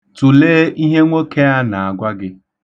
Tụlee ihe nwoke a na-agwa gị.